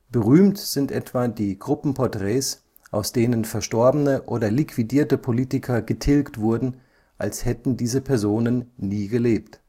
berühmt sind etwa die Gruppenporträts, aus denen verstorbene oder liquidierte Politiker getilgt wurden, als hätten diese Personen nie gelebt